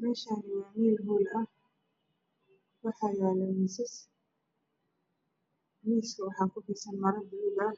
Meeshani waa meel hool ah waxaa yaalo miisas miiska waxaa kutiirsan maro gudud ah